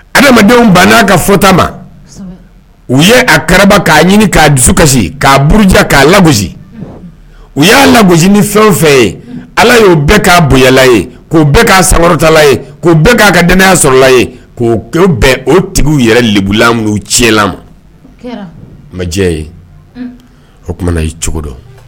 Adamadenw banna n' ka fɔta ma u ye a kaba k'a ɲini k'a dusu kasi k'a buruja k'a lago u y'a lago ni fɛn fɛ ye ala y'o bɛɛ k'a bonyalaye k'o bɛɛ k'a samatalaye k'o bɛɛ k'a ka dɛmɛya sɔrɔlaye k'o ko bɛn o tigiw yɛrɛ bulan ti la ma majɛ ye o tumana i cogo dɔn